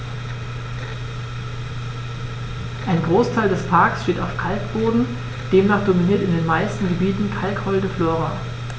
Ein Großteil des Parks steht auf Kalkboden, demnach dominiert in den meisten Gebieten kalkholde Flora.